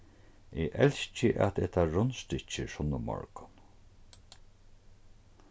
eg elski at eta rundstykkir sunnumorgun